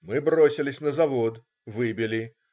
Мы бросились на завод - выбили.